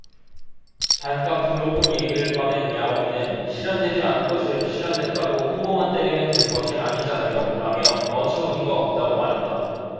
반값등록금 얘기를 꺼낸 냐옹이는 실현되지 않은 것을 실현됐다고 홍보만 때리면 되는 것이 아니잖아요라며 어처구니가 없다고 말했다